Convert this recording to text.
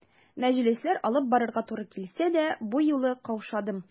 Мәҗлесләр алып барырга туры килсә дә, бу юлы каушадым.